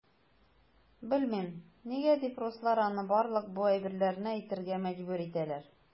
Белмим, нигә дип руслар аны барлык бу әйберләрне әйтергә мәҗбүр итәләр.